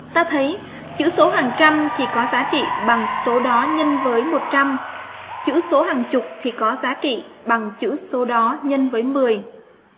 mơ thấy chữ số hàng trăm thì có giá trị bằng số đo nhân với chữ số hàng chỉ có giá trị bằng chữ số đó nhân với